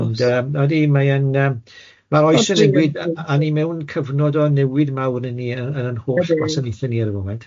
ond yym odi mae e'n yym ma'r oes yn newid a ni mewn cyfnod o newid mawr 'dy ni yn yn yn holl gwasanaethe ni ar y foment.